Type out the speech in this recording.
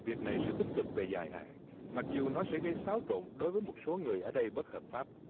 việc này sẽ tích cực về dài hạn mặc dù nó sẽ gây xáo trộn đối với một số người ở đây bất hợp pháp